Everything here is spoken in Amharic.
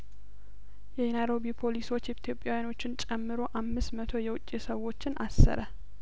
የናይሮቢ ፖሊሶች ኢትዮጵያዊያኖችን ጨምሮ አምስት መቶ የውጪ ሰዎችን አሰረ